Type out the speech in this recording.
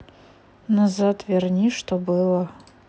назад верни что было